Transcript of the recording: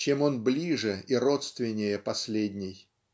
чем он ближе и родственнее последней.